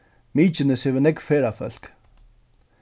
mykines hevur nógv ferðafólk